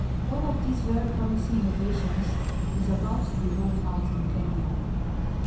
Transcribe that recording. One of these very promising innovations is about to be rolled out in Kenya.